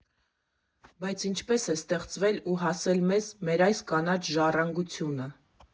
Բայց ինչպե՞ս է ստեղծվել ու հասել մեզ մեր այս «կանաչ ժառանգությունը»։